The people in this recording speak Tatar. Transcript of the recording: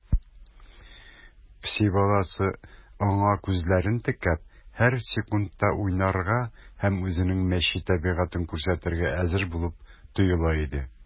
Песи баласы, аңа күзләрен текәп, һәр секундта уйнарга һәм үзенең мәче табигатен күрсәтергә әзер булып тоела иде.